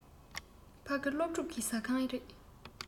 ཕ གི སློབ ཕྲུག གི ཟ ཁང རེད